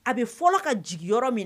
A bɛ fɔlɔ ka jigin yɔrɔ min